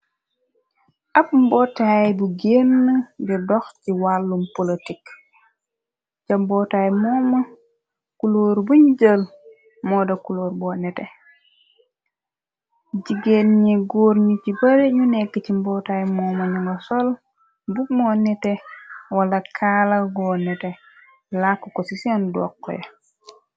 Ab mbootaay bu génn di dox ci wàllum polotik, ca mbootaay mooma, kuloor buñ jël moo da kuloor boo nétté, jigéen ñi Goor ñi, ñu ci bari ñoo nekk si mbootaay mooma. Ñu nga sol mbubu mu nete wala kaala goo nétté làkk ko ci seen dooxu yi.